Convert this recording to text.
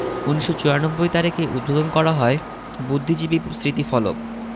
১৯৯৪ তারিখে উদ্বোধন করা হয় বুদ্ধিজীবী স্মৃতিফলক